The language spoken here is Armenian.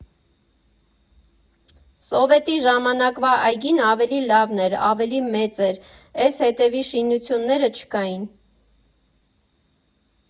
Սովետի ժամանակվա այգին ավելի լավն էր, ավելի մեծ էր, էս հետևի շինությունները չկային։